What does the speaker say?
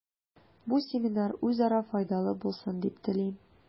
Бу семинар үзара файдалы булсын дип телим.